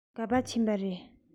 ག པར ཕྱིན པ རེད